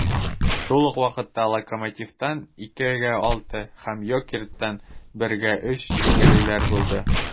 Шул ук вакытта "Локомотив"тан (2:6) һәм "Йокерит"тан (1:3) җиңелүләр булды.